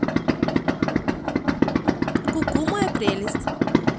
ку ку моя прелесть